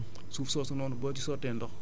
maanaam suuf si dafa woyof de trop